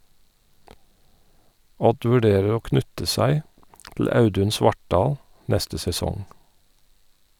Odd vurderer å knytte seg til Audun Svartdal neste sesong.